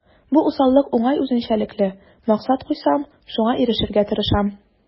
Бу усаллык уңай үзенчәлекле: максат куйсам, шуңа ирешергә тырышам.